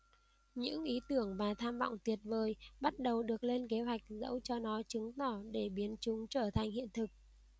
những ý tưởng và tham vọng tuyệt vời bắt đầu được lên kế hoạch dẫu cho nó chứng tỏ để biến chúng trở thành hiện thực